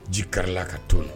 Ji kari la ka to nɔ